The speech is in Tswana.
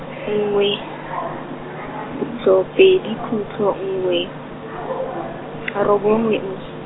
nngwe, khutlo pedi khutlo nngwe, a robongwe nn-.